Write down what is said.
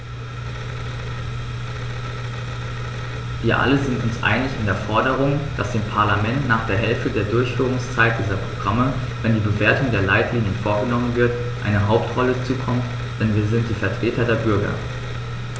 Wir alle sind uns einig in der Forderung, dass dem Parlament nach der Hälfte der Durchführungszeit dieser Programme, wenn die Bewertung der Leitlinien vorgenommen wird, eine Hauptrolle zukommt, denn wir sind die Vertreter der Bürger.